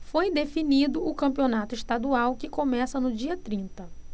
foi definido o campeonato estadual que começa no dia trinta